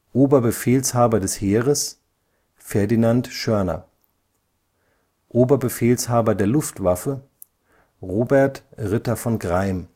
Oberbefehlshaber des Heeres: Ferdinand Schörner Oberbefehlshaber der Luftwaffe: Robert Ritter von Greim